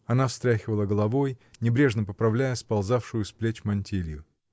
Она встряхивала головой, небрежно поправляя сползавшую с плеч мантилью.